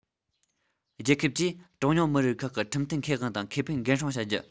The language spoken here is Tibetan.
རྒྱལ ཁབ ཀྱིས གྲངས ཉུང མི རིགས ཁག གི ཁྲིམས མཐུན ཁེ དབང དང ཁེ ཕན འགན སྲུང བྱ རྒྱུ